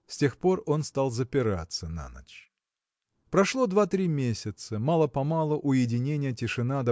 С тех пор он стал запираться на ночь. Прошло два-три месяца. Мало-помалу уединение тишина